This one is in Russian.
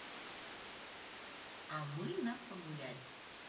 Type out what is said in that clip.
а мы на погулять